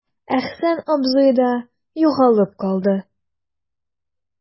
Әхсән абзый да югалып калды.